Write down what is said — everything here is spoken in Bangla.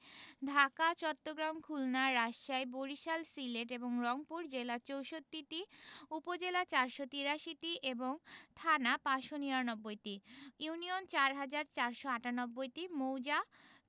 ঢাকা চট্টগ্রাম খুলনা রাজশাহী বরিশাল সিলেট এবং রংপুর জেলা ৬৪টি উপজেলা ৪৮৩টি এবং থানা ৫৯৯টি ইউনিয়ন ৪হাজার ৪৯৮টি মৌজা